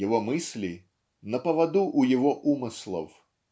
Его мысли - на поводу у его умыслов